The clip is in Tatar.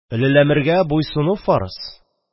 Олы әмергә буйсыну фарыз.